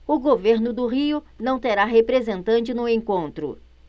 o governo do rio não terá representante no encontro